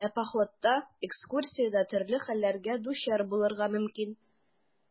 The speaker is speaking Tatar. Ә походта, экскурсиядә төрле хәлләргә дучар булырга мөмкин.